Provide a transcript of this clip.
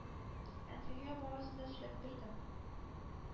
Әнкәйгә барысын да сөйләп бирдем.